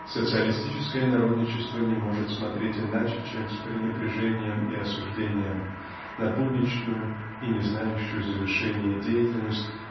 социалистическое народничество не может смотреть иначе чем с пренебрежением и осуждением на будничную и не знающую завершения деятельность